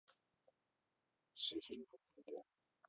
все фильмы о бонде